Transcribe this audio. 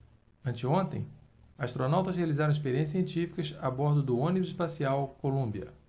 anteontem astronautas realizaram experiências científicas a bordo do ônibus espacial columbia